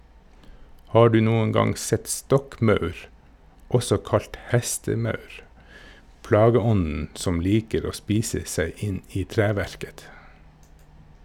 Har du noen gang sett stokkmaur, også kalt hestemaur, plageånden som liker å spise seg inn i treverket?